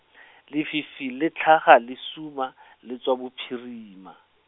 lefifi la tlhaga la suma , le tswa bophirima.